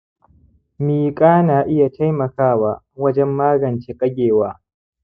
miƙa na iya taimakawa wajen magance ƙagewa